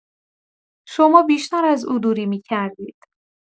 شما بیشتر از او دوری می‌کردید.